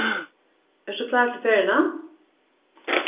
ert tú klár til ferðina